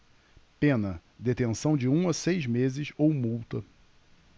pena detenção de um a seis meses ou multa